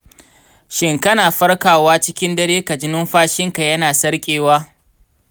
shin kana farkawa cikin dare kaji numfashinka yana sarƙewa?